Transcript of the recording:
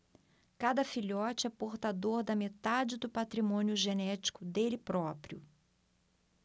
cada filhote é portador da metade do patrimônio genético dele próprio